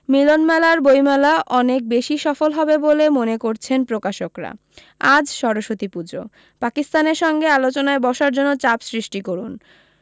মিলনমেলার বইমেলা অনেক বেশী সফল হবে বলে মনে করছেন প্রকাশকরা আজ সরস্বতী পূজো পাকিস্তানের সঙ্গে আলোচনায় বসার জন্য চাপ সৃষ্টি করুণ